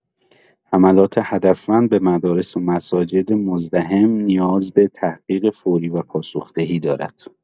حملات هدفمند به مدارس و مساجد مزدحم نیاز به تحقیق فوری و پاسخ‌دهی دارد.